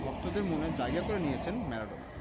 ভক্তদের মনে জায়গা করে নিয়েছেন ম্যারাডোনা